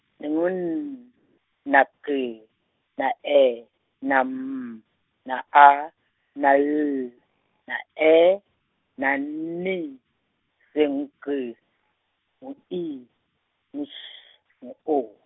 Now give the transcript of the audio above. ngu N, na G, na E, na M, na A, na L, na E, na nin-, seng- G, ngu I, ngu S, ngu O.